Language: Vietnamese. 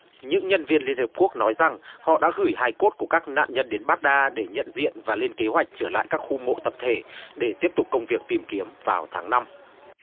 những nhân viên liên hiệp quốc nói rằng họ đã gửi hài cốt của các nạn nhân đến bát đa để nhận diện và lên kế hoạch trở lại các khu mộ tập thể để tiếp tục công việc tìm kiếm vào tháng năm